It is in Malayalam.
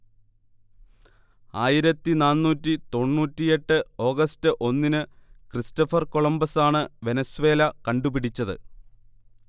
ആയിരത്തി നാന്നൂറ്റി തൊണ്ണൂറ്റിയെട്ട് ഓഗസ്റ്റ് ഒന്നിനു ക്രിസ്റ്റഫർ കൊംളമ്പസാണു വെനസ്വേല കണ്ടുപിടിച്ചത്